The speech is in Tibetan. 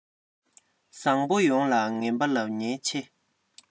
བཟང པོ ཡོངས ལ ངན པ ལབ ཉེན ཆེ